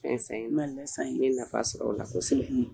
Fɛn i ma san i yefa sɔrɔ o la ko sɛ